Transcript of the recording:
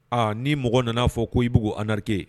An ni mɔgɔ nana fɔ k'i bɛ k'u arnaquer